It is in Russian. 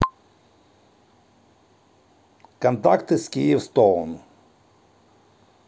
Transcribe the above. контакты с kyivstoner